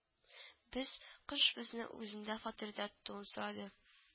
Без кыш безне үзендә фатирда тотуын сорады